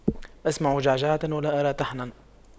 أسمع جعجعة ولا أرى طحنا